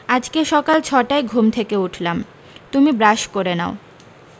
আজকে সকাল ছটায় ঘুম থেকে উঠলাম তুমি ব্রাশ করে নাও